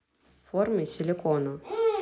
формы из силикона